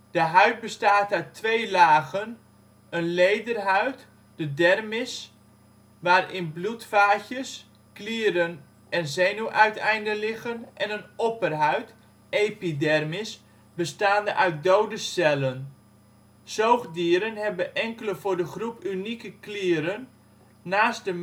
De huid bestaat uit twee lagen, een lederhuid (dermis), waarin bloedvaatjes, klieren en zenuwuiteinden liggen, en een opperhuid (epidermis), bestaande uit dode cellen. Zoogdieren hebben enkele voor de groep unieke klieren: naast de